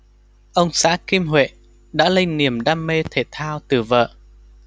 ông xã kim huệ đã lây niềm đam mê thể thao từ vợ